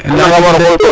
*